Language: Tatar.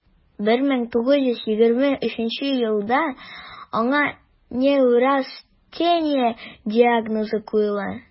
1923 елда аңа неврастения диагнозы куела: